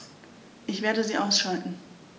Ich werde sie ausschalten